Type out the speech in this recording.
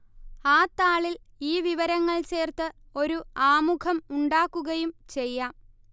ആ താളിൽ ഈ വിവരങ്ങൾ ചേർത്ത് ഒരു ആമുഖം ഉണ്ടാക്കുകയും ചെയ്യാം